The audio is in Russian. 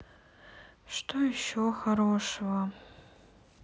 что еще хорошего